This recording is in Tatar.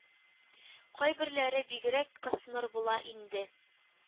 Кайберләре бигрәк кысмыр була инде.